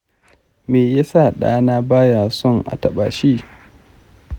me ya sa ɗana ba ya son a taɓa shi?